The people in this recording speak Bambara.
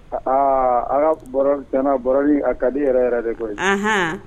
Aa a' ka baro tiɲɛ na baroni a ka di yɛrɛ de koyi, anhan.